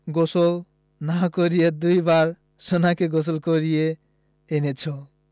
গোসল না করিয়ে দুবারই মোনাকে গোসল করিয়ে এনেছো